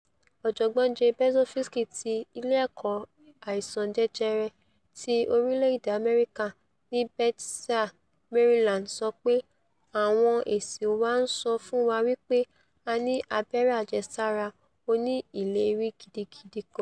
Ọ̀jọ̀gbọ́n Jay Berzofsky, ti Ilé Ẹ̀kọ́ Àìsàn Jẹjẹrẹ ti orílẹ̀-èdè Amẹrika ní Bethesda, Maryland, sọ pé: ''Àwọn èsì wa ńsọ fún wa wí pé a ní abẹ́rẹ́ àjẹsára oníìlérí gidigidi kan.